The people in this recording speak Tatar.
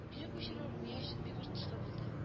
Бирү күчерү Румия өчен бик ортышлы булды